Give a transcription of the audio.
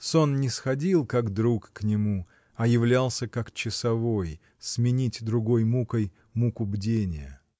Сон не сходил, как друг, к нему, а являлся, как часовой, сменить другой мукой муку бдения.